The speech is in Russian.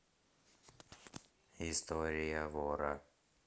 история вора